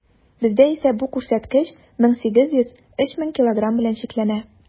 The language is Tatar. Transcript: Бездә исә бу күрсәткеч 1800 - 3000 килограмм белән чикләнә.